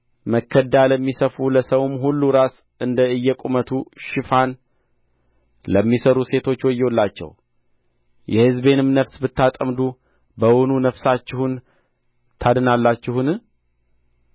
መከዳ ለሚሰፉ ለሰውም ሁሉ ራስ እንደ እየቁመቱ ሽፋን ለሚሠሩ ሴቶች ወዮላቸው የሕዝቤንም ነፍስ ብታጠምዱ በውኑ ነፍሳችሁን ታድናላችሁን